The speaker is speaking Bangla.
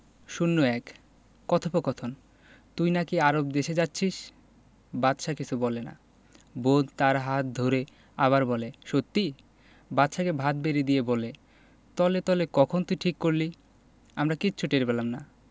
০১ কথোপকথন তুই নাকি আরব দেশে যাচ্ছিস বাদশা কিছু বলে না বোন তার হাত ধরে আবার বলে সত্যি বাদশাকে ভাত বেড়ে দিয়ে বলে তলে তলে কখন তুই ঠিক করলি আমরা কিচ্ছু টের পেলাম না